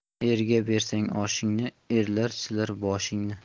erga bersang oshingni erlar silar boshingni